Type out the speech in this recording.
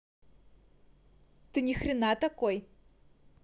ты нихрена такой